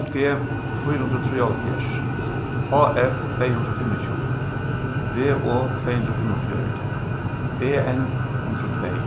u g fýra hundrað og trýoghálvfjerðs h f tvey hundrað og fimmogtjúgu v o tvey hundrað og fimmogfjøruti b n hundrað og tvey